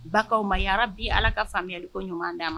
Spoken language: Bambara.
Bakaw ma yarabi ala ka faamuyali ko ɲuman dan ma.